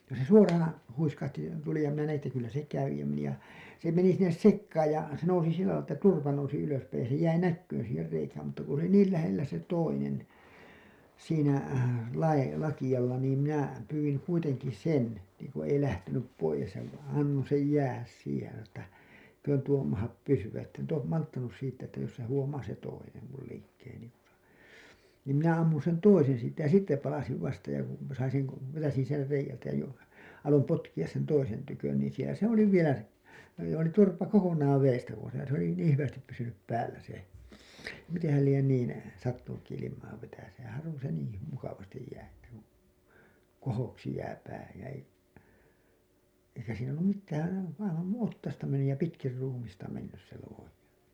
ja se suoraan huiskahti tuli ja minä näin että kyllä se kävi ja meni ja se meni sinne sekaan ja se nousi sillä lailla että turpa nousi ylöspäin ja se jäi näkymään siihen reikään mutta kun se oli niin lähellä se toinen siinä - lakealla niin minä pyysin kuitenkin sen niin kuin ei lähtenyt pois ja - annoin sen jäädä siihen ja sanoin että eikö tuo mahda pysyä että en - malttanut siirtyä että jos se huomaa se toinen minun liikkeeni niin minä ammun sen toisen siitä ja sitten palasin vasta ja kun sain sen - vetäisin sen reiältä jo aloin potkia sen toisen tykö niin siellä se oli vielä se oli joo niin turpa kokonaan vedestä pois ja se oli niin hyvästi pysynyt päällä se mitenhän lie niin sattunutkin ilmaa vetäisemään harvoin se niin - mukavasti jää että kun kohoksi jää pää ja ei eikä siinä ollut mitään aivan noin otsasta mennyt ja pitkin ruumista mennyt se luoti